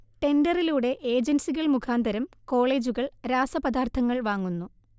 ടെൻഡറിലൂടെ ഏജൻസികൾ മുഖാന്തരം കോളേജുകൾ രാസപദാർത്ഥങ്ങൾ വാങ്ങുന്നു